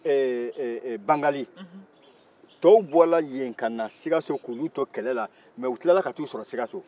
ee bangali tɔw bɔra yen ka na sikaso k'olu to kɛlɛla mɛ u tilara ka taa u sɔrɔ sikaso